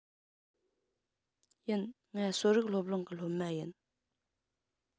ཡིན ང གསོ རིག སློབ གླིང གི སློབ མ ཡིན